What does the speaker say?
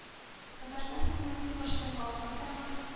Татарстан хөкүмәте башлыгы алга таба